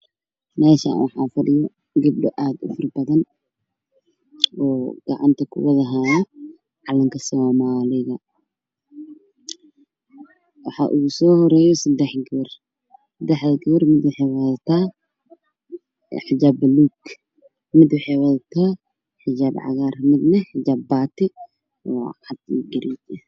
Meshan waxafadhiyo gadho Aadufarobadanoogacanta kuhayo calankasomalia waxa ugasohoreya sidaxgar sidaxdagar midwaxay wadataxijiba balug midwaxey wadadta xijabcagar midna xijab bati ocad iyo garey eh